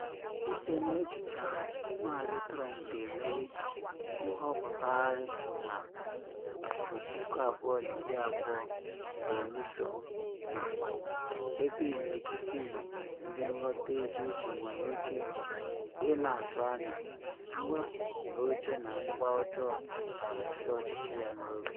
Site na echiche ahụ, Maazị Trump ga-emeri nhọpụtagharị na 2020 belụsọ na, ebe imirikiti ndị nghọta ezi uche nwere ike ị na atụ anya, mwepu n’oche na agwa ọjọọ ga-akwụsị ọchịchị ya n’oge.